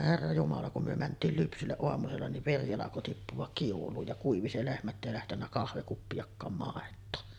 herra jumala kun me mentiin lypsylle aamusella niin veri alkoi tippua kiuluun ja kuivui se lehmä että ei lähtenyt kahvikuppiakaan maitoa